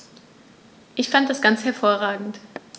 Ich fand das ganz hervorragend.